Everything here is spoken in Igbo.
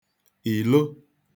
ìlo